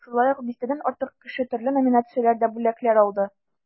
Шулай ук дистәдән артык кеше төрле номинацияләрдә бүләкләр алды.